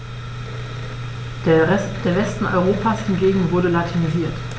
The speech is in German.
Der Westen Europas hingegen wurde latinisiert.